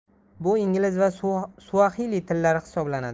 bu ingliz va suaxili tillari hisoblanadi